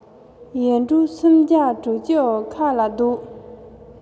ཡེ འབྲོག སུམ བརྒྱ དྲུག ཅུའི ཁ ལ བཟློག